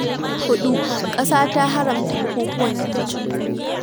4. ƙasa ta haramta bukukuwan Yammacin duniya.